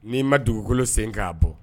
N'i ma dugukolo sen k'a bɔ